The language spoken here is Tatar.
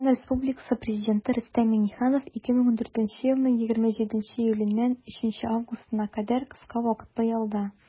Татарстан Республикасы Президенты Рөстәм Миңнеханов 2014 елның 27 июленнән 3 августына кадәр кыска вакытлы ялда.